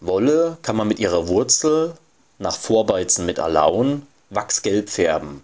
Wolle kann man mit ihrer Wurzel, nach Vorbeizen mit Alaun, wachsgelb färben.